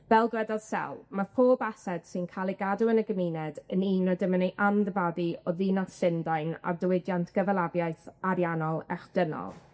Fel gwedodd Sel, ma' pob ased sy'n ca'l ei gadw yn y gymuned yn un o o Ddinas Llundain a'r diwydiant gyfalafiaeth ariannol echdynol.